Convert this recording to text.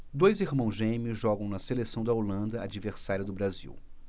dois irmãos gêmeos jogam na seleção da holanda adversária do brasil